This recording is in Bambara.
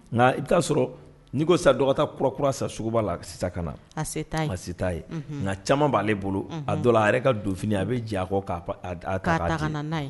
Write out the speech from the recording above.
Nka i bɛ taaa sɔrɔ n'i ko sa dɔgɔta kura kura sa suguba la sisan ka na a ye nka caman b'aale bolo a dɔ a yɛrɛ ka don a bɛ jankɔ' ye